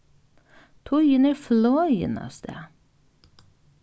tíðin er flogin avstað